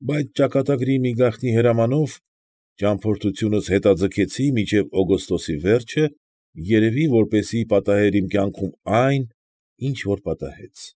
Բայց ճակատագրի մի գաղտնի հրամանով ճամփորդությունս հետաձգեցի մինչև օգոստոսի վերջը, երևի, որպեսզի պատահեր իմ կյանքում այն, ինչ որ պատահեց։